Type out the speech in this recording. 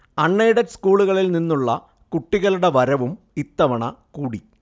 അൺ aided സ്കൂളിൽനിന്നുള്ള കുട്ടികളുടെ വരവും ഇത്തവണ കൂടി